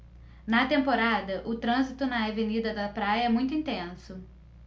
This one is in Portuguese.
na temporada o trânsito na avenida da praia é muito intenso